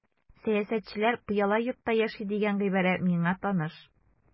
Сәясәтчеләр пыяла йортта яши дигән гыйбарә миңа таныш.